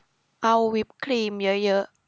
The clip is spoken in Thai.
เอาวิปครีมเยอะเยอะ